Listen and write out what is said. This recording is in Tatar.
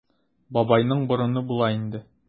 Бабайның борыны була инде.